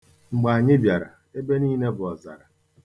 Mgbe anyị bịara, ebe a niile bụ ọzara.